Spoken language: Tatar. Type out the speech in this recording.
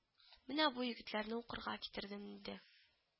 - менә бу егетләрне укырга китердем - диде